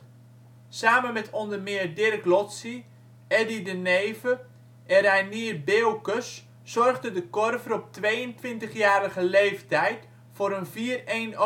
Samen met onder meer Dirk Lotsij, Eddy de Neve en Reinier Beeuwkes zorgde De Korver op 22-jarige leeftijd voor een 4-1 overwinning